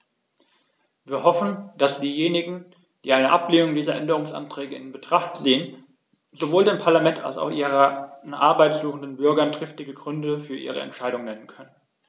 Wir hoffen, dass diejenigen, die eine Ablehnung dieser Änderungsanträge in Betracht ziehen, sowohl dem Parlament als auch ihren Arbeit suchenden Bürgern triftige Gründe für ihre Entscheidung nennen können.